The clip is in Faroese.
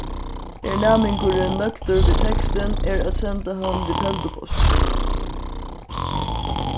er næmingurin nøgdur við tekstin er at senda hann við telduposti